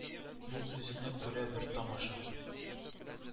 Бу үзенә күрә бер тамаша